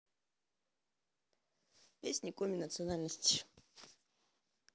песни коми национальности